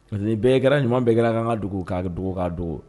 Bɛɛkɛ ɲuman bɛɛ kɛra ka kan ka dugu k'a dugawu ka dogo